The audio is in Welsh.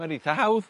ma'n itha hawdd